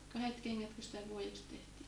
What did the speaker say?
kahdet kengätkö sitä vuodeksi tehtiin